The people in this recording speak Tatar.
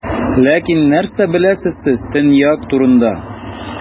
Ләкин нәрсә беләсез сез Төньяк турында?